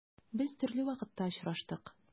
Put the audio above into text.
Без төрле вакытта очраштык.